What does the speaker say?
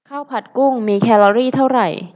ข้าวผัดกุ้งมีแคลอรี่เท่าไหร่